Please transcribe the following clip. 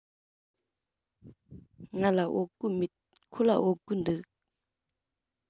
ང ལ བོད གོས མེད ཁོ ལ བོད གོས འདུག